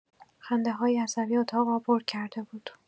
خنده‌هایی عصبی اتاق را پر کرده بود.